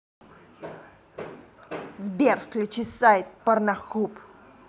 сбер включи сайт порнохуб